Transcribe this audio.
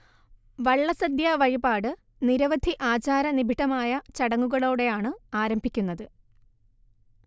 വള്ളസദ്യ വഴിപാട് നിരവധി ആചാര നിബിഡമായ ചടങ്ങുകളോടെയാണ് ആരംഭിക്കുന്നത്